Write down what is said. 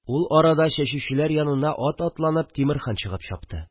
Ул арада чәчүчеләр янына ат атланып Тимерхан чыгып чапты